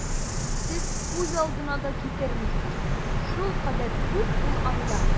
Сез күз алдына да китермисез, шулкадәр күп ул анда!